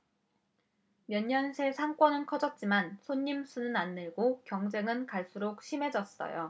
몇 년 새 상권은 커졌지만 손님 수는 안 늘고 경쟁은 갈수록 심해졌어요